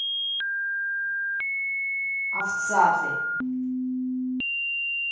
овца ты